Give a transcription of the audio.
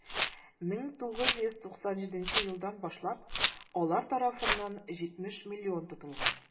1997 елдан башлап алар тарафыннан 70 млн тотылган.